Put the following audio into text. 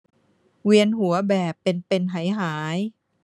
เวียนหัวแบบเป็นเป็นหายหาย